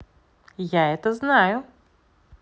я это знаю